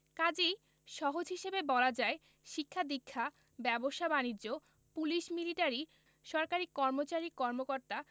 কাজেই সহজ হিসেবে বলা যায় শিক্ষা দীক্ষা ব্যবসা বাণিজ্য পুলিশ মিলিটারি সরকারি কর্মচারী কর্মকর্তা